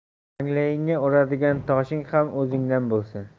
manglayingga uradigan toshing ham o'zingdan bo'lsin